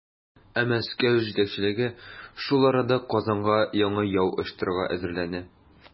Ә Мәскәү җитәкчелеге шул арада Казанга яңа яу оештырырга әзерләнә.